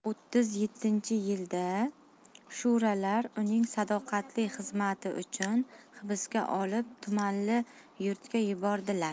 o'ttiz yettinchi yilda sho'rolar uning sadoqatli xizmati uchun hibsga olib tumanli yurtga yubordilar